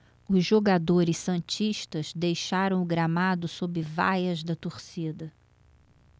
os jogadores santistas deixaram o gramado sob vaias da torcida